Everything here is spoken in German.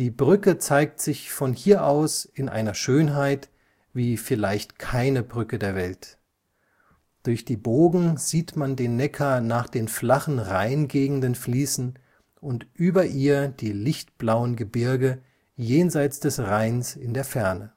Brücke zeigt sich von hier aus in einer Schönheit, wie vielleicht keine Brücke der Welt. Durch die Bogen sieht man den Neckar nach den flachen Rheingegenden fließen und über ihr die lichtblauen Gebirge jenseits des Reins in der Ferne